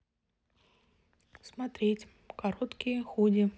смотреть короткие худи